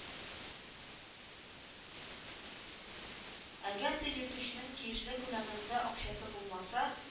Әгәр дә йөртүченең тиешле күләмендә акчасы булмаса